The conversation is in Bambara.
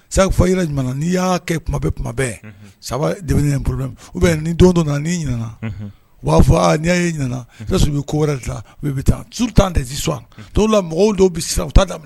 Safa n'i y'a kɛ bɛ kumabɛ sabaoro nin don dɔ ni ɲɛna u b'a fɔ ni ɲɛna u bɛ ko wɛrɛ u taa su tan tɛsisu t la mɔgɔw dɔw bɛ u daminɛ